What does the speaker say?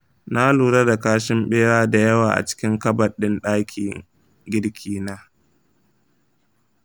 na lura da kashin bera da yawa a cikin kabad ɗin ɗakin girkina.